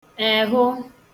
èhụ